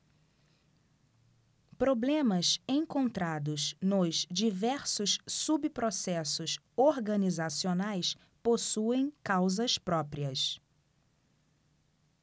problemas encontrados nos diversos subprocessos organizacionais possuem causas próprias